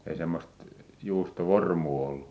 ei semmoista juustovormua ollut